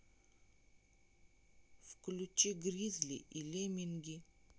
включи гризли и леминги